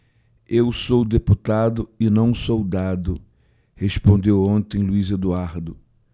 eu sou deputado e não soldado respondeu ontem luís eduardo